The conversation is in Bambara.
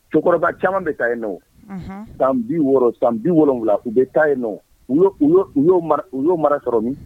Cɛkɔrɔba caman bɛ ta yen nɔo san bi wɔɔrɔ san bi wɔwula u bɛ ta yen n nɔ u u y u y'o mara sɔrɔ min